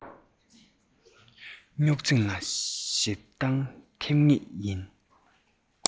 སྙོག འཛིང ལ ཞིབ འདང ཐེབས ངེས ཀྱི